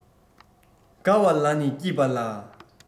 དགའ བ ལ ནི སྐྱིད པ ལ